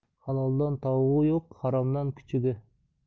haloldan tovug'i yo'q haromdan kuchugi